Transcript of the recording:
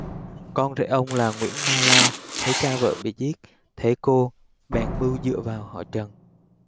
con rể ông là nguyễn ma la thấy cha vợ bị giết thế cô bèn mưu dựa vào họ trần